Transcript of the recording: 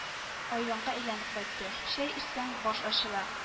Айванга әйләнеп кайтты.чәй эчсәң баш ачыла